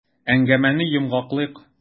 Әңгәмәне йомгаклыйк.